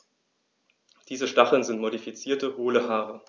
Diese Stacheln sind modifizierte, hohle Haare.